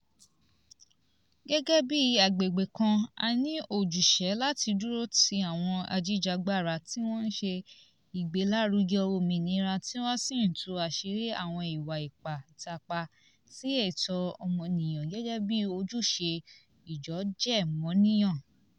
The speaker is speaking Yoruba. Gẹ́gẹ́ bí agbègbè kan, a ní ojúṣe láti dúró ti àwọn ajìjàgbara tí wọn ń ṣe ìgbélárugẹ òmìnira tí wọ́n sì ń tú àṣírí àwọn ìwà ipá ìtàpá sí ẹ̀tọ́ ọmọnìyàn gẹ́gẹ́ bíi ojúṣe ìjọọjẹ́mọnìyàn.